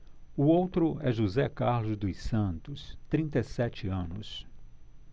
o outro é josé carlos dos santos trinta e sete anos